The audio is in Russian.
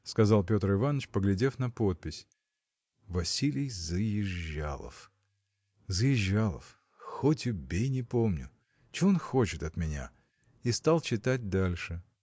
– сказал Петр Иваныч, поглядев на подпись. – Василий Заезжалов! Заезжалов – хоть убей – не помню. Чего он хочет от меня? И стал читать дальше.